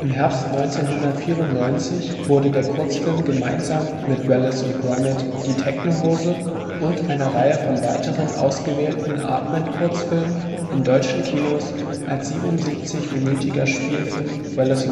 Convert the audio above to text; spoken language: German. Herbst 1994 wurde der Kurzfilm gemeinsam mit Wallace & Gromit – Die Techno-Hose und einer Reihe von weiteren ausgewählten Aardman-Kurzfilmen in deutschen Kinos als 77-minütiger Spielfilm Wallace